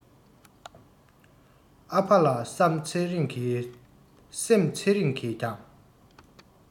ཨ ཕ ལ བསམ ཚེ རང གི སེམས ཚེ རིང གིས ཀྱང